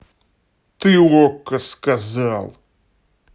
ты okko сказал